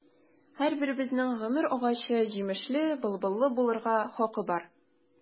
Һәрберебезнең гомер агачы җимешле, былбыллы булырга хакы бар.